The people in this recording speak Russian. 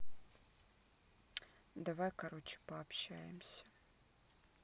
давай короче пообщаемся